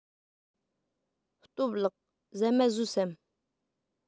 སྟོབས ལགས ཟ མ ཟོས སམ